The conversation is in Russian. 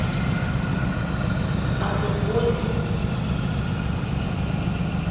о футболе